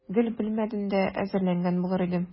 Гел белмәдем дә, әзерләнгән булыр идем.